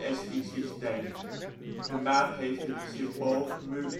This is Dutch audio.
SI-systeem. De maat heeft het symbool µm. Een